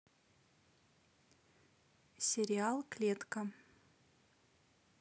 сериал клетка